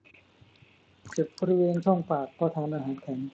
เจ็บบริเวณช่องปากเพราะทานอาหารแข็ง